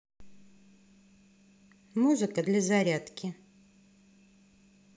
музыка для зарядки